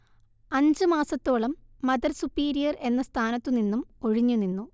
അഞ്ച് മാസത്തോളം mother superior എന്ന സ്ഥാനത്തു നിന്നും ഒഴിഞ്ഞു നിന്നു